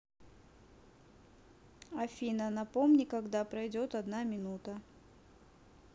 афина напомни когда пройдет одна минута